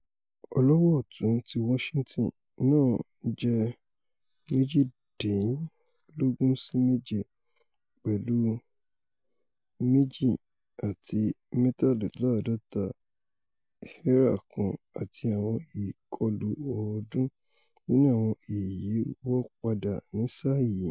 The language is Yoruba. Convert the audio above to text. Ọlọ́wọ́-ọ̀tún ti Washington náà jẹ́ 18-7 pẹ̀lú 2.53 ERA kan àti àwọn ìkọlù ọ̀ọ́dún nínú àwọn i̇̀yíwọ́padà ní sáà yìí.